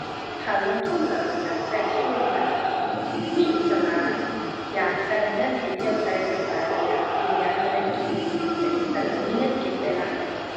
ถ้าลงทุนแล้วก็อยากก็ชีวิตแบบมีอิสระ อยากก็เงินไปเที่ยวไสก็ไป อยากกินหยังก็ได้กินไปจั่งซั้นล่ะ มีเงินเก็บหลายหลาย